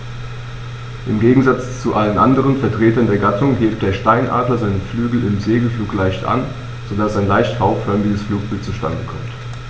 Im Gegensatz zu allen anderen Vertretern der Gattung hebt der Steinadler seine Flügel im Segelflug leicht an, so dass ein leicht V-förmiges Flugbild zustande kommt.